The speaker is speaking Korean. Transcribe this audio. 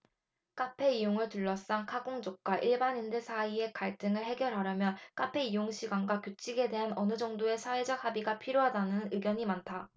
카페 이용을 둘러싼 카공족과 일반인들 사이의 갈등을 해결하려면 카페 이용시간과 규칙에 대한 어느 정도의 사회적 합의가 필요하다는 의견이 많다